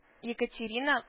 Екатерина